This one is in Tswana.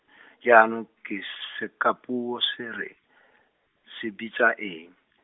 jaanong ke sekapuo se re, se bitsa eng?